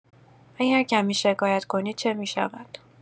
اگر کمی شکایت کنید، چه می‌شود؟